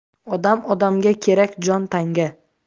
odam odamga kerak jon tanga